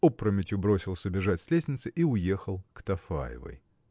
опрометью бросился бежать с лестницы и уехал к Тафаевой.